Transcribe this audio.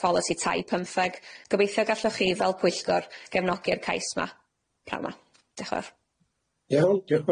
pholisi tai pymtheg gobeithio gallwch chi fel pwyllgor gefnogi'r cais 'ma